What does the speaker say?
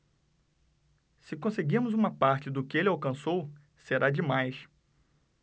se conseguirmos uma parte do que ele alcançou será demais